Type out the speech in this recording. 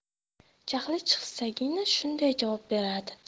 jahli chiqsagina shunday javob beradi